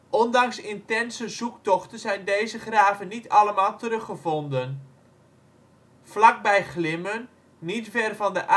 Ondanks intense zoektochten zijn deze graven niet allemaal teruggevonden. Vlakbij Glimmen, niet ver van de